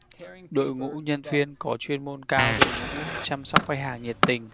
đội ngũ nhân viên có chuyên môn cao đội ngũ chăm sóc khách hàng nhiệt tình